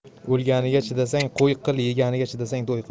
o'lganiga chidasang qo'y qil yeganiga chidasang to'y qil